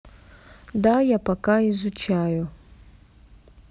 да я пока изучаю